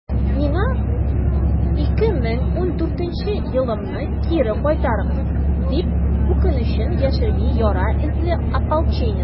«миңа 2014 елымны кире кайтарыгыз!» - дип, үкенечен яшерми яра эзле ополченец.